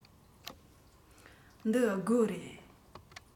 འདི སྒོ རེད